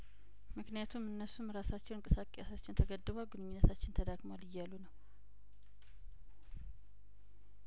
ምክንያቱም እነሱም እራሳቸው እንቅ ሳቄ ሳችን ተገድ ቧል ግንኙነታችን ተዳክሟል እያሉ ነው